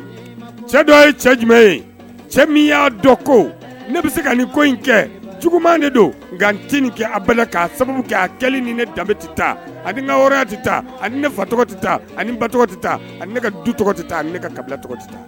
Cɛ dɔ ye cɛ jumɛn ye cɛ min ya dɔn ko ne bɛ se ko in kɛ cogo don kin kɛ bɛ k' sababu kɛ ni ne danbebe tɛ taa anigaya tɛ taa ani ne fa tɔgɔ tɛ taa ani ba tɔgɔ tɛ taa ani ka du tɔgɔ tɛ taa ne ka kabila tɔgɔ tɛ taa